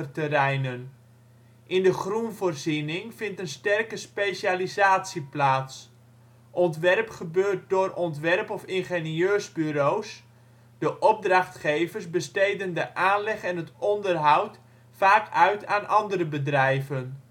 terreinen. In de groenvoorziening vindt een sterke specialisatie plaats. Ontwerp gebeurt door ontwerp - of ingenieursbureaus, de opdrachtgevers besteden de aanleg en het onderhoud vaak uit aan andere bedrijven